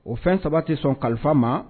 O fɛn saba tɛ sɔn kalifa ma